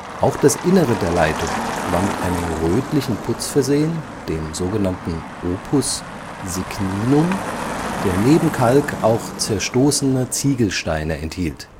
Auch das Innere der Leitung war mit einem rötlichen Putz versehen (opus signinum), der neben Kalk auch zerstoßene Ziegelsteine enthielt